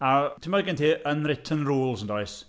A timod gen ti unwritten rules, yn does.